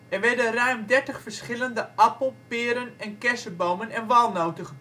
werden ruim 30 verschillende appel -, peren - en kersenbomen en walnoten